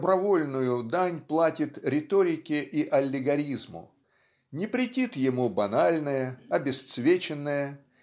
добровольную дань платит риторике и аллегоризму не претит ему банальное обесцвеченное